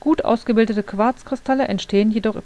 Gut ausgebildete Quarzkristalle entstehen jedoch